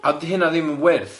A 'di hynna ddim yn wyrth?